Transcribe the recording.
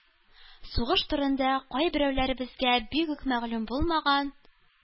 Сугыш турында кайберәүләребезгә бигүк мәгълүм булмаган